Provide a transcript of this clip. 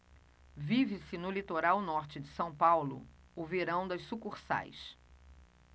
vive-se no litoral norte de são paulo o verão das sucursais